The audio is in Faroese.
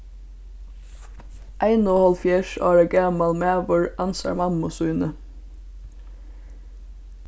einoghálvfjerðs ára gamal maður ansar mammu síni